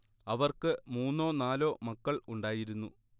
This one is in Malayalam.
അവർക്ക് മൂന്നോ നാലോ മക്കൾ ഉണ്ടായിരുന്നു